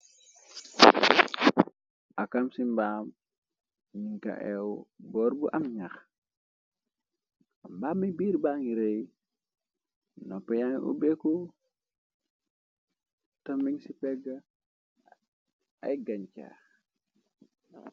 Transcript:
Akam ci mbaam ninka ew bor bu am ñax mbaam mi biir bangi rey noppu ubééku ta mug c ci pegg ay gañ caax.